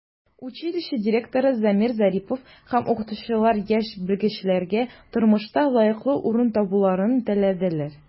Училище директоры Замир Зарипов һәм укытучылар яшь белгечләргә тормышта лаеклы урын табуларын теләделәр.